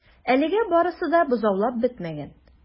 Әлегә барысы да бозаулап бетмәгән.